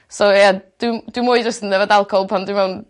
So ie dwi m- dwi mwy jyst yn yfed alcohol pan dwi mewn